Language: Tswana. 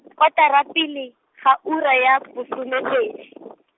kotara pele, ga ura ya bosomepedi.